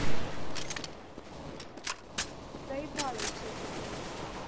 заебали джиги буги